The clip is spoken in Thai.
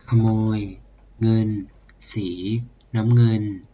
ขโมยเงินสีน้ำเงิน